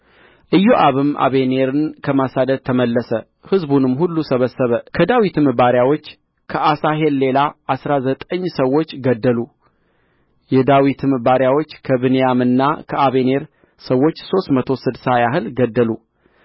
ኢዮአብም አበኔርን ከማሳደድ ተመለሰ ሕዝቡንም ሁሉ ሰበሰበ ከዳዊትም ባሪያዎች ከአሣሄል ሌላ አሥራ ዘጠኝ ሰዎች ጐደሉ የዳዊትም ባሪያዎች ከብንያምና ከአበኔር ሰዎች ሦስት መቶ ስድሳ ያህል ገደሉ